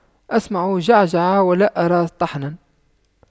أسمع جعجعة ولا أرى طحنا